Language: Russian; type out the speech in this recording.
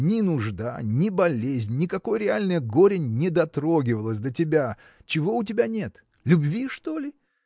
Ни нужда, ни болезнь, никакое реальное горе не дотрогивалось до тебя. Чего у тебя нет? Любви, что ли?